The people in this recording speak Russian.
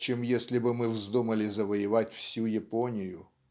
чем если бы мы вздумали завоевать всю Японию".